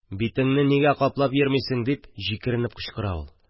«битеңне нигә каплап йөрмисең?» – дип җикеренеп кычкыра ул.